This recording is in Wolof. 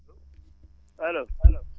allo